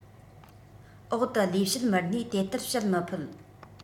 འོག ཏུ ལས བྱེད མི སྣས དེ ལྟར བཤད མི ཕོད